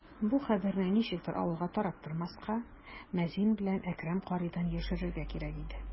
Бу хәбәрне ничектер авылга тараттырмаска, мәзин белән Әкрәм каридан яшерергә кирәк иде.